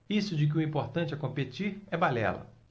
isso de que o importante é competir é balela